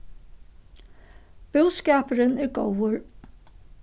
búskapurin er góður